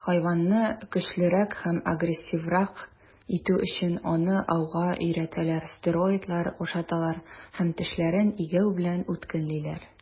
Хайванны көчлерәк һәм агрессиврак итү өчен, аны ауга өйрәтәләр, стероидлар ашаталар һәм тешләрен игәү белән үткенлиләр.